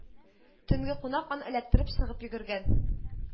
Төнге кунак аны эләктереп чыгып йөгергән